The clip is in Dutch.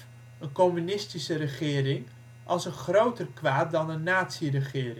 communistische regering, als een groter kwaad dan een nazi-regering